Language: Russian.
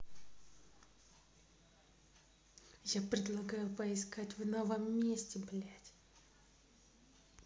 я предлагаю поискать в новом месте блядь